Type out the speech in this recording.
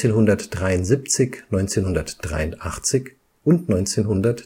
1973, 1983 und 1993